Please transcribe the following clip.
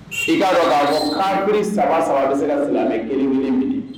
I kaarɔ aa fɔ hari saba saba bɛ se ka silamɛ kelen ɲini ɲini